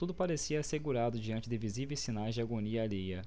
tudo parecia assegurado diante de visíveis sinais de agonia alheia